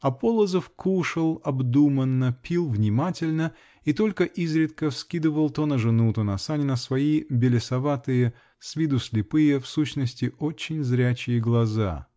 А Полозов кушал обдуманно, пил внимательно и только изредка вскидывал то на жену, то на Санина свои белесоватые, с виду слепые, в сущности очень зрячие глаза.